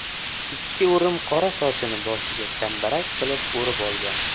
ikki o'rim qora sochini boshiga chambarak qilib o'rib olgan